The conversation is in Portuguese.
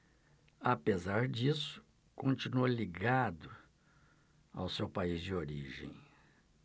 apesar disso continua ligado ao seu país de origem